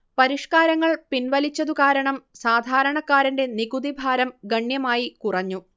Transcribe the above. പരിഷ്കാരങ്ങൾ പിൻവലിച്ചതുകാരണം സാധാരണക്കാരന്റെ നികുതിഭാരം ഗണ്യമായി കുറഞ്ഞു